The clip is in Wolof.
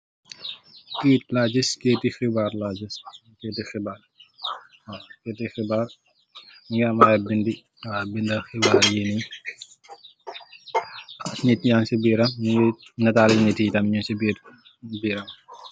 Keit la gis, keiti khibarr la gis, keiti khibarr waw, keiti khibarr mungy am aiiy bindi waw bindah khibarr yii nii, ak nit yang cii biram, njungeh natal nityi tam nung cii birr biram.